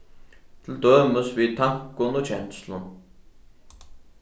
til dømis við tankum og kenslum